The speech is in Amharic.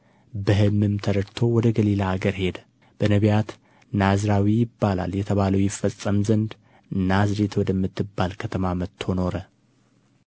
በሕልምም ተረድቶ ወደ ገሊላ አገር ሄደ በነቢያት ናዝራዊ ይባላል የተባለው ይፈጸም ዘንድ ናዝሬት ወደምትባል ከተማ መጥቶ ኖረ